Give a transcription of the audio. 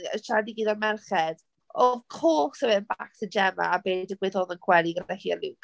Siarad i gyd o'r merched of course it went back to Gemma a be digwyddodd yn gwely gyda hi a Luke.